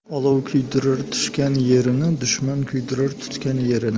olov kuydirar tushgan yerini dushman kuydirar tutgan yerini